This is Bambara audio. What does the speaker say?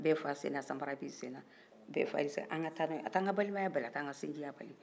bɛɛ fa sena samara b'i sennan an ka tana ye a t'an ka balimaya bali a t'an sijinya bali